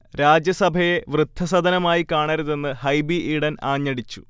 രാജ്യസഭയെ വൃദ്ധസദനമായി കാണരുതെന്ന് ഹൈബി ഈഡൻ ആഞ്ഞടിച്ചു